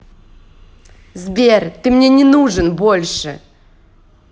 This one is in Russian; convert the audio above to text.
сбер ты мне не нужен больше